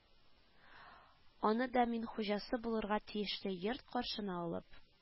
Аны да мин хуҗасы булырга тиешле йорт каршына алып